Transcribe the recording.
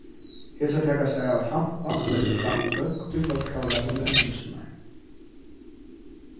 hesar taka sær av at hampa og leggja fram pløgg ið fólk hava latið til endurnýtslurnar